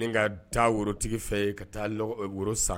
Ka taa worotigi fɛ ka taa woro san